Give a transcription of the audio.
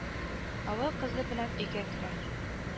Олы кызы белән өйгә керә